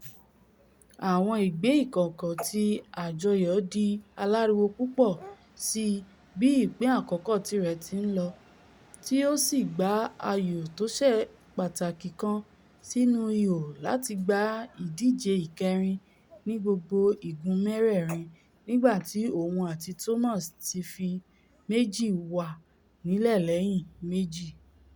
Àwọn igbe ìkọ̀ǹkọ̀ ti àjọyọ̀ di aláriwo púpọ̀ síi bí ìpín àkókò tirẹ̀ ti ńlọ, tí ó sì gbá ayò tóṣe pàtàkì kan sínú ihò láti gba ìdíje ìkẹrin ní gbogbo igun mẹ́rẹ̀ẹ̀rin nígbà tí òun àti Thomas ti fi méjì wà nílẹ̀ lẹ́yìn méjì.